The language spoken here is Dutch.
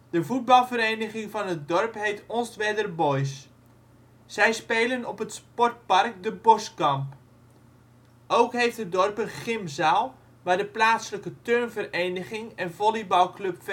De voetbalvereniging van het dorp heet Onstwedder Boys. Zij spelen op het sportpark De Boskamp. Ook heeft het dorp een gymzaal, waar de plaatselijke turnvereniging en volleybalclub